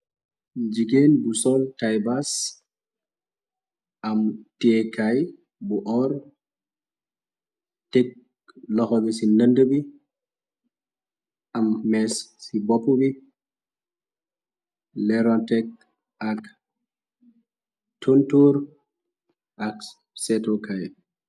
jigéen bu sol taybaas am tiekaay bu hor tikk loxo bi ci nënd bi am mées ci bopp bi lerontek ak tuntur ak cetukaay.